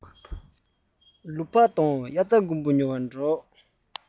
ལུག པགས དང དབྱར རྩྭ དགུན འབུ ཉོ བར འགྲོ གི ཡིན